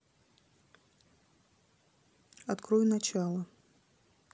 открой начало